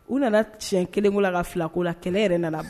U nana tiɲɛ kelenko ka fila ko la kɛlɛ yɛrɛ nana